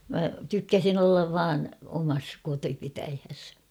minä tykkäsin olla vain omassa kotipitäjässäni